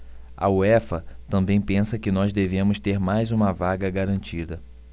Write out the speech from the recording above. a uefa também pensa que nós devemos ter mais uma vaga garantida